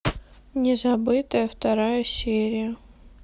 незабытое вторая серия